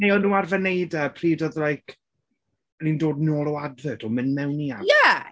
Neu o'n nhw arfer wneud e pryd oedd like nhw'n dod nôl o advert or mynd mewn i ad... Ie!